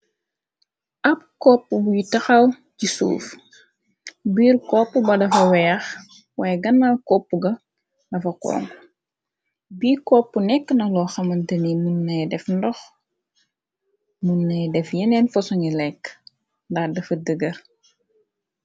Ab koppu buy taxaw ci suuf biir koppu ba dafa weex waaye ganal koppu ga lafa koon bi kopp nekk na loo xamal tani muna de ndox munnay def yeneen posoni lekk nda dafa dëgër.